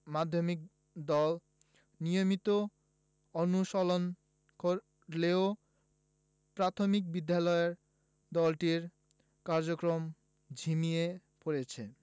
মাধ্যমিক দল নিয়মিত অনুশীলন করলেও প্রাথমিক বিদ্যালয়ের দলটির কার্যক্রম ঝিমিয়ে পড়েছে